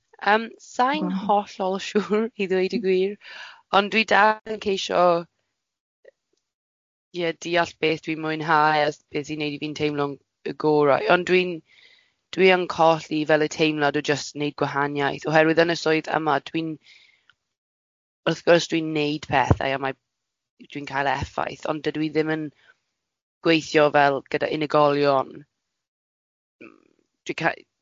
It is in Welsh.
Yym, sa i'n hollol siŵr i ddeud y gwir, ond dwi dal yn ceisio yy ie diall beth dwi'n mwynhau a beth sy'n wneud i fi'n teimlo'n gorau, ond dwi'n dwi yn colli fel y teimlad o jyst wneud gwahaniaeth, oherwydd yn y swydd yma dwi'n, wrth gwrs dwi'n wneud pethau a mae dwi'n cael effaith, ond dydw i ddim yn gweithio fel gyda unigolion, mm dwi ca-.